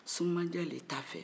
sumanjɛ le t'a fɛ